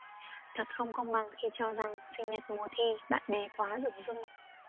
thật không công bằng khi cho rằng sinh nhật mùa thi bạn bè quá dửng dưng